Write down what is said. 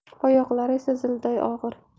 oyoqlari esa zilday og'ir